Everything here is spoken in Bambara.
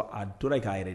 A tora y'a yɛrɛ dɛ